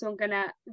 ...sôn gynne